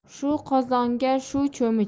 shu qozonga shu cho'mich